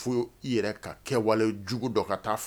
Fo i yɛrɛ ka kɛwalejugu dɔ ka taa